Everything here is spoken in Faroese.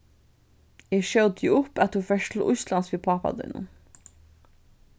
eg skjóti upp at tú fert til íslands við pápa tínum